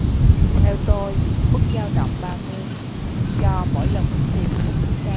theo tôi mức dao động ba mươi cho mỗi lần ứng tiền là mức phí cao